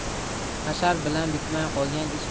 hashar bilan bitmay qolgan ish